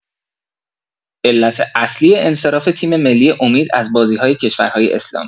علت اصلی انصراف تیم‌ملی امید از بازی‌های کشورهای اسلامی